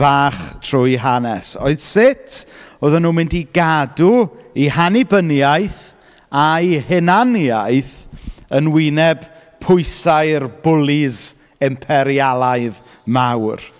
fach trwy hanes, oedd sut oedden nhw'n mynd i gadw eu hannibyniaeth a'u hunaniaeth yn wyneb pwysau'r bwlis imperialaidd mawr?